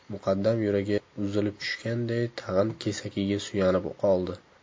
muqaddam yuragi uzilib tushganday tag'in kesakiga suyanib qoldi